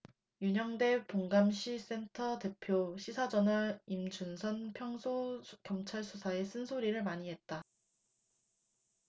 윤영대 본감시센터 대표 시사저널 임준선 평소 검찰수사에 쓴소리를 많이 했다